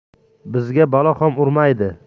bizga balo xam urmaydi